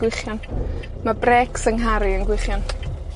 gwichian. Ma' brêcs 'yng nghar i yn gwichian.